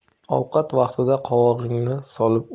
ovqat vaqtida qovog'ingni solib